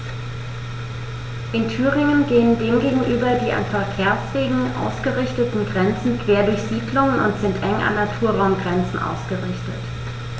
In Thüringen gehen dem gegenüber die an Verkehrswegen ausgerichteten Grenzen quer durch Siedlungen und sind eng an Naturraumgrenzen ausgerichtet.